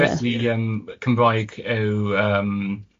Felly yym Cymraeg yw yym,